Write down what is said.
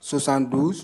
Sonsan dun